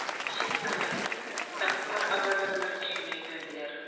Җир яна иде, танклар оборонаның эченә юнәлделәр.